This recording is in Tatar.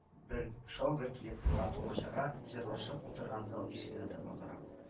Ер шау-гөр килеп туган-тумача җырлашып утырган зал ишегенә таба карап. —